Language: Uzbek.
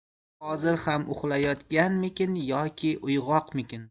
u hozir ham uxlayotganmikin yoki uyg'oqmikin